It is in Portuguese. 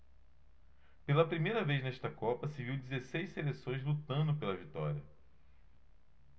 pela primeira vez nesta copa se viu dezesseis seleções lutando pela vitória